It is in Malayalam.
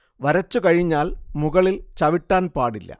വരച്ചു കഴിഞ്ഞാൽ മുകളിൽ ചവിട്ടാൻ പാടില്ല